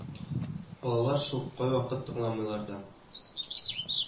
Балалар шук, кайвакыт тыңламыйлар да